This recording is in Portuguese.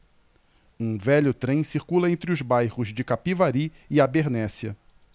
um velho trem circula entre os bairros de capivari e abernéssia